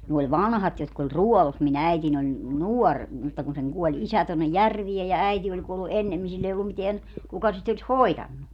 ne oli vanhat jotka oli ruodussa minun äitini oli nuori mutta kun sen kuoli isä tuonne järveen ja äiti oli kuollut ennemmin sillä ei ollut mitään kuka sitä olisi hoitanut